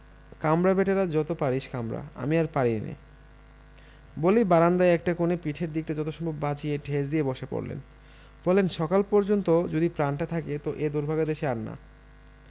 কামড়া ব্যাটারা যত পারিস কামড়া আমি আর পারিনে বলেই বারান্দায় একটা কোণে পিঠের দিকটা যতটা সম্ভব বাঁচিয়ে ঠেস দিয়ে বসে পড়লেন বললেন সকাল পর্যন্ত যদি প্রাণটা থাকে ত এ দুর্ভাগা দেশে আর না